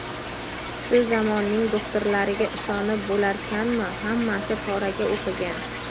shu zamonning do'xtirlariga ishonib bo'larkanmi hammasi poraga o'qigan